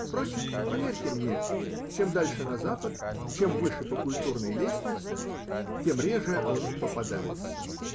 впрочем, поверьте мне, чем дальше на Запад, чем выше по культурной лестнице, тем реже он попадается.